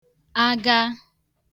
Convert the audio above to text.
aga